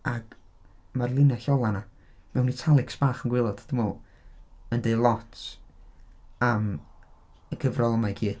Ag mae'r linell olaf 'na mewn italics bach yn gwaelod, dwi'n meddwl, yn dweud lot am y gyfrol yma i gyd.